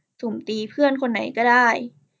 สุ่มตีเพื่อนคนไหนก็ได้